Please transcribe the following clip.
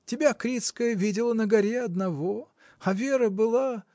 Тебя Крицкая видела на горе одного, а Вера была.